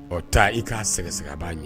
Ɔ taa i k'a sɛgɛsɛ b'a ɲɛ